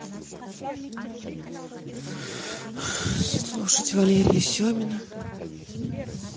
слушать валерия семина